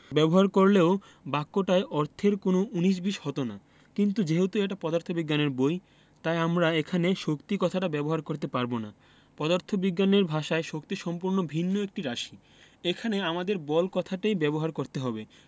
ব্যবহার করলেও বাক্যটায় অর্থের কোনো উনিশ বিশ হতো না কিন্তু যেহেতু এটা পদার্থবিজ্ঞানের বই তাই আমরা এখানে শক্তি কথাটা ব্যবহার করতে পারব না পদার্থবিজ্ঞানের ভাষায় শক্তি সম্পূর্ণ ভিন্ন একটা রাশি এখানে আমাদের বল কথাটাই ব্যবহার করতে হবে